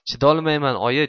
chidolmayman oyi